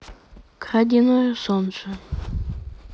краденое солнце